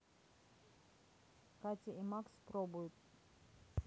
катя и макс пробуют